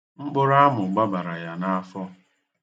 Mkpụrụamụ gbabara ya n'afọ.